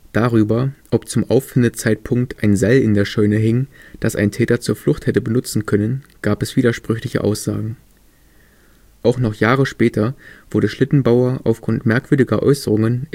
Darüber, ob zum Auffindezeitpunkt ein Seil in der Scheune hing, das ein Täter zur Flucht hätte benutzen können, gab es widersprüchliche Aussagen. Auch noch Jahre später wurde Schlittenbauer aufgrund merkwürdiger Äußerungen